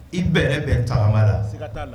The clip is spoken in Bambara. I bɛrɛ bɛn tagmama la, sika t'a la.